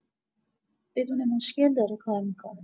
بدون مشکل داره کار می‌کنه